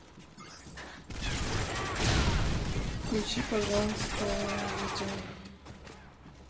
включи пожалуйста видео